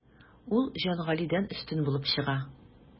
Ул Җангалидән өстен булып чыга.